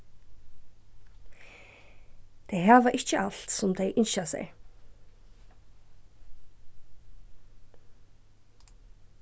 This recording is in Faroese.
tey hava ikki alt sum tey ynskja sær